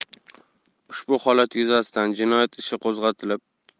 ushbu holat yuzasidan jinoyat ishi qo'zg'atilib